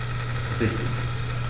Richtig